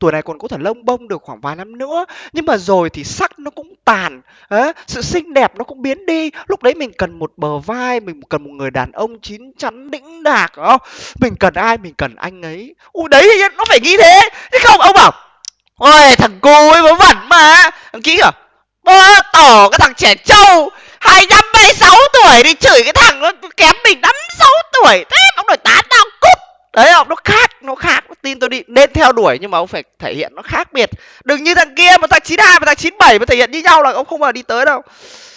tuổi này còn có thể lông bông được khoảng vài năm nữa nhưng mà rồi thì sắc nó cũng tàn ớ sự xinh đẹp nó cũng biến đi lúc đấy mình cần một bờ vai mình cần một người đàn ông chín chắn đĩnh đạc hiểu hông mình cần ai mình cần anh ấy u đấy nó phải nghĩ thế không ông bảo uôi thằng cô ý vớ vẩn ý mà thằng kia bố tổ cái thằng trẻ trâu hai năm hai sáu tuổi đi chửi cái thằng nó kém mình năm sáu tuổi thế mà đòi tán tao cút đấy không nó khác nó khác tin tôi đi nên theo đuổi nhưng mà ông phải thể hiện nó khác biệt đừng như thằng kia một thằng chín hai một thằng chín bẩy mà thể hiện như nhau là ông không bao giờ đi tới đâu